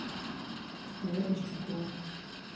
время стекло